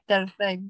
They're a thing.